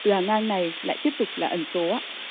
từ hàng ngang này lại tiếp tục là ẩn số ạ